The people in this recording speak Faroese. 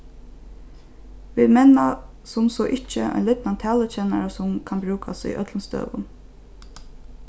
vit menna sum so ikki ein lidnan talukennara sum kann brúkast í øllum støðum